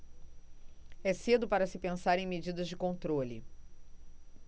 é cedo para se pensar em medidas de controle